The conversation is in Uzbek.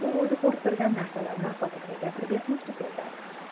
u o'zi ko'rib turgan narsalarini xotiniga gapirib bermoqchi edi